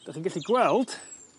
'dych chi'n gallu gweld